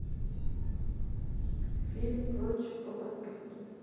фильм прочь по подписке